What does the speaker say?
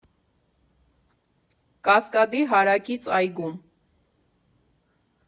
Կասկադի հարակից այգում։